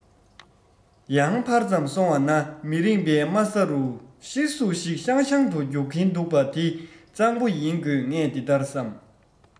ཡང ཕར ཙམ སོང བ ན མི རིང བའི དམའ ས རུ གཤེར གཟུགས ཤིག ཤང ཤང དུ རྒྱུག གིན འདུག པ འདི གཙང པོ ཡིན དགོས ངས འདི ལྟར བསམ